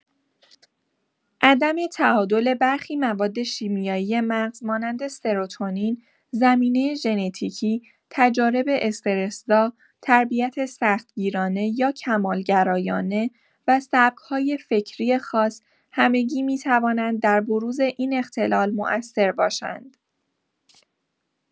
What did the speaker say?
عدم تعادل برخی مواد شیمیایی مغز مانند سروتونین، زمینه ژنتیکی، تجارب استرس‌زا، تربیت سخت‌گیرانه یا کمال‌گرایانه و سبک‌های فکری خاص، همگی می‌توانند در بروز این اختلال مؤثر باشند.